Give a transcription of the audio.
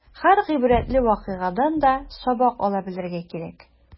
Һәр гыйбрәтле вакыйгадан да сабак ала белергә кирәк.